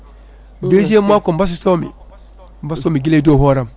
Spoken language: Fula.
deuxiément ko mbasotomi mbasotomi guila e dow hooram